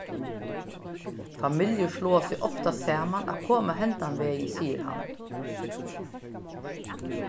familjur sláa seg ofta saman at koma hendan vegin sigur hann